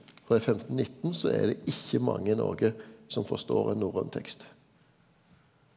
for i 15 19 så er det ikkje mange i Noreg som forstår ein norrøn tekst.